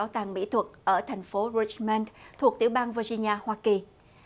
bảo tàng mỹ thuật ở thành phố rít mon thuộc tiểu bang vơ ghi na hoa kỳ